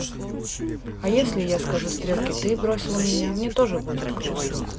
а если я скажу стрелки ты бросил меня мне тоже будет грустно